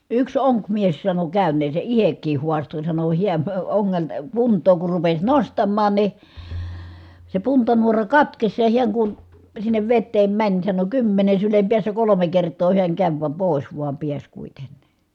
yksi onkimies sanoi käyneensä itsekin haastoi sanoi hän ongelta puntaa kun rupesi nostamaan niin se puntanuora katkesi ja hän kun sinne veteen meni sanoi kymmenen sylen päässä kolme kertaa hän kävi vaan pois vaan pääsi kuitenkin